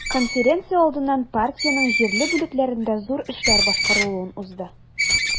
Конференция алдыннан партиянең җирле бүлекләрендә зур эшләр башкарылуын узды.